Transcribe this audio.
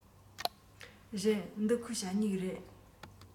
རེད འདི ཁོའི ཞ སྨྱུག རེད